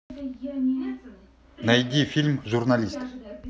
найди фильм журналист